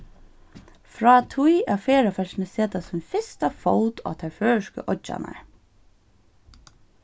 frá tí at ferðafólkini seta sín fyrsta fót á tær føroysku oyggjarnar